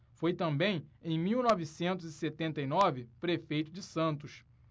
foi também em mil novecentos e setenta e nove prefeito de santos